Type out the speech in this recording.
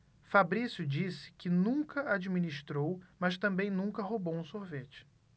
fabrício disse que nunca administrou mas também nunca roubou um sorvete